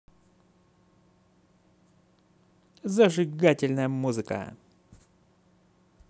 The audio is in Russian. зажигательная музыка